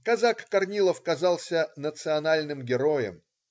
Казак Корнилов казался "национальным героем".